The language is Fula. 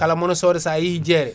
kala mona sooda sa yeehi jeere